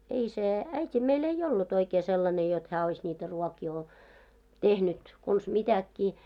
ei se äiti meillä ei ollut oikein sellainen jotta hän olisi niitä ruokia - tehnyt konsa mitäkin